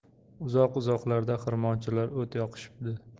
uzoq uzoqlarda xirmonchilar o't yoqishibdi